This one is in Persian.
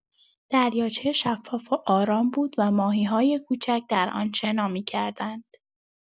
دریاچه شفاف و آرام بود و ماهی‌های کوچک در آن شنا می‌کردند.